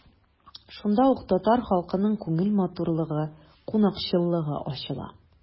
Шунда ук татар халкының күңел матурлыгы, кунакчыллыгы ачыла.